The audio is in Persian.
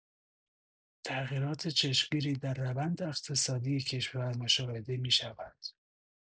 تغییرات چشمگیری در روند اقتصادی کشور مشاهده می‌شود.